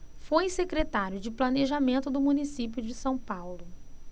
foi secretário de planejamento do município de são paulo